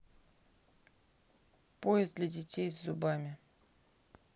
поезд для детей с зубами